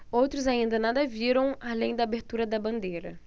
outros ainda nada viram além da abertura da bandeira